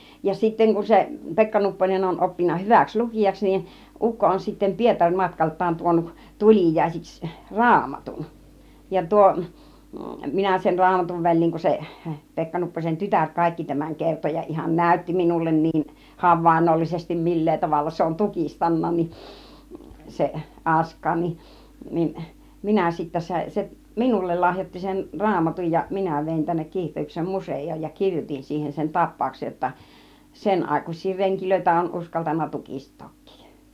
ja sitten kun se Pekka Nupponen on oppinut hyväksi lukijaksi niin ukko on sitten - Pietari-matkaltaan tuonut tuliaisiksi raamatun ja tuo minä sen raamatun väliin kun se Pekka Nupposen tytär kaikki tämän kertoi ja ihan näytti minulle niin havainnollisesti millä tavalla se on tukistanut niin se Askain niin niin minä sitten sain se minulle lahjoitti sen raamatun ja minä vein tänne Kiihtelyksen museoon ja kirjoitin siihen sen tapauksen jotta sen aikaisia renkejä on uskaltanut tukistaakin